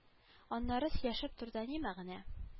Аннары сөйләшеп торуда ни мәгънә